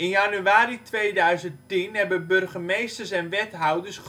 januari 2010 hebben burgemeesters en wethouders